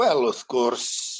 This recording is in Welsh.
Wel wrth gwrs